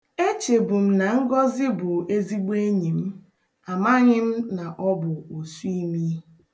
Echebu m na Ngọzị bụ ezigbo enyi m, amaghị m na ọ bụ osuimi.